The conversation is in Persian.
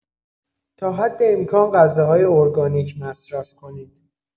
تا حد امکان غذاهای ارگانیک مصرف کنید.